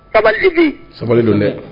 Tabatigi sabali don dɛ